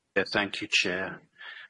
Yeah, thank you chair. Um.